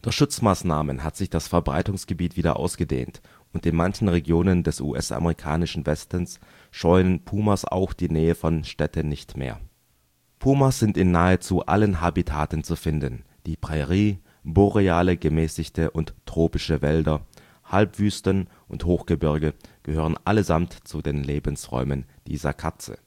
Schutzmaßnahmen hat sich das Verbreitungsgebiet wieder ausgedehnt, und in manchen Regionen des US-amerikanischen Westens scheuen Pumas auch die Nähe von Städten nicht mehr. Pumas sind in nahezu allen Habitaten zu finden; die Prärie, boreale, gemäßigte und tropische Wälder, Halbwüsten und Hochgebirge gehören allesamt zu den Lebensräumen dieser Katze